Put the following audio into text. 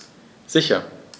Sicher.